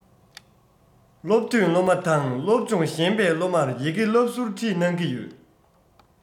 སློབ ཐོན སློབ མ སློབ མ དང སློབ སྦྱོང སློབ སྦྱོང ཞན པའི སློབ མ སློབ མར ཡི གེ བསླབ ཟུར ཁྲིད གནང གི ཡོད